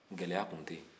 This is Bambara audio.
gɛlɛya tun tɛ yen